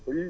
oui